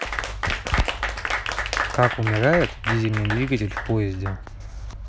как умирает дизельный двигатель в поезде